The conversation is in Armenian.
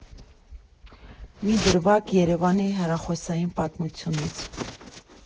Մի դրվագ՝ Երևանի հեռախոսային պատմությունից։